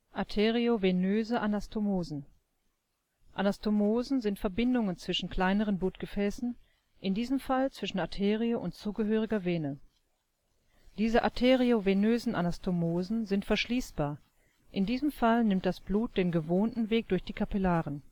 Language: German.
Arteriovenöse Anastomosen: Anastomosen sind Verbindungen zwischen kleineren Blutgefäßen, in diesem Fall zwischen Arterie und zugehöriger Vene. Diese arteriovenösen Anastomosen sind verschließbar, in diesem Fall nimmt das Blut den gewohnten Weg durch die Kapillaren